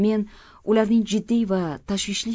men ularning jiddiy va tashvishli